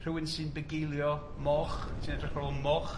Rhywun sy'n bugeilio moch, sy'n edrych ar ôl moch.